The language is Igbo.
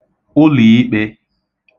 ụlìikpē